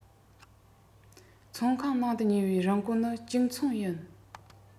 ཚོང ཁང ནང དུ ཉོས པའི རིན གོང ནི གཅིག མཚུངས ཡིན